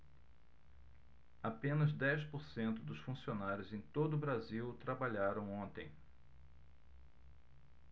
apenas dez por cento dos funcionários em todo brasil trabalharam ontem